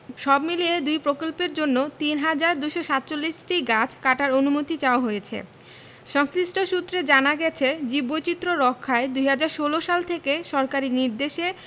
সবমিলিয়ে দুই প্রকল্পের জন্য ৩হাজার ২৪৭টি গাছ কাটার অনুমতি চাওয়া হয়েছে সংশ্লিষ্ট সূত্রে জানা গেছে জীববৈচিত্র্য রক্ষায় ২০১৬ সাল থেকে সরকারি নির্দেশে